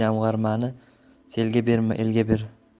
ber jamg'armani selga berma elga ber